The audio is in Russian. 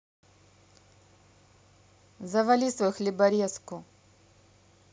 завали свой хлеборезку